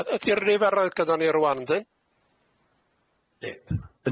Y- ydi'r niferoedd gyda ni rŵan yndi?